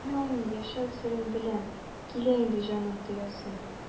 Мин авылның яшәү серен беләм, килә инде җанын тоясым!